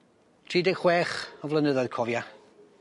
Tri deg chwech o flynyddoedd cofia.